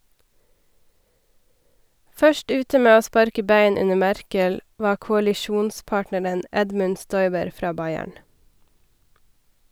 Først ute med å sparke bein under Merkel var koalisjonspartneren Edmund Stoiber fra Bayern.